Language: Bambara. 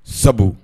Sabu